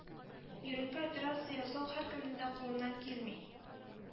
Йөрәккә операция ясау һәркемнең дә кулыннан килми